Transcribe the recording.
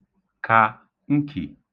kà nkì